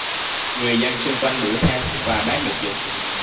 người dân xung quanh đuổi theo và bắt được dũng